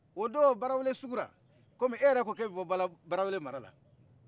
o don barawele sugula komi e yɛrɛ ko k' e bɛ bɔ barawele marala